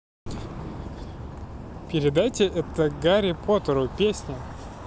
передайте это гарри поттеру песня